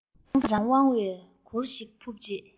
རང ལ དབང བའི གུར ཞིག ཕུབ རྗེས